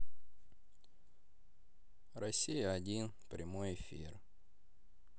россия один прямой эфир